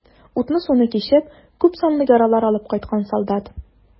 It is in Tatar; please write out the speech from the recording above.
Утны-суны кичеп, күпсанлы яралар алып кайткан солдат.